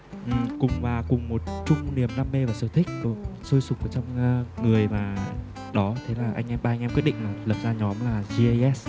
ừm cùng và cùng một chung niềm đam mê và sở thích sôi sục trong người và đó thế là anh em ba anh em quyết định lập ra nhóm là gi ây ét